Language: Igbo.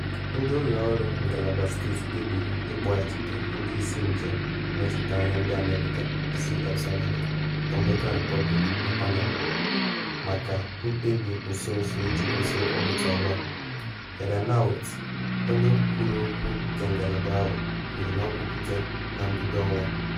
Ndị ụlọ ọrụ Ngalaba Steeti kpebiri ịkpọghachite ndị isi njem nnọchite anya ndị America si El Salvador, Dominican Republic na Panama maka “mkpebi nso nso iji kwụsị ịkwado Taiwan,” Heather Nauert, onye okwu okwu nke ngalaba ahụ, kwuru na nkwupute na mbido ọnwa a.